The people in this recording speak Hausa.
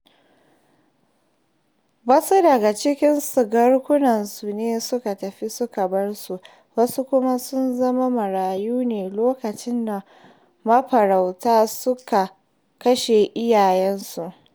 Wasu daga cikinsu garkunansu ne suka tafi suka bar su, wasu kuma sun zama marayu ne lokacin da mafarauta suka kashe iyayensu.